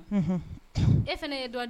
E fana ye